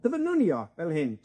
Dyfynnwn ni o fel hyn.